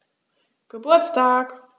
Geburtstag